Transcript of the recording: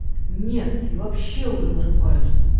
нет ты вообще уже нарываешься